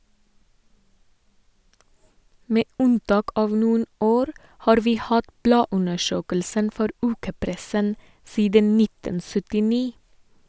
Med unntak av noen år har vi hatt bladundersøkelsen for ukepressen siden 1979.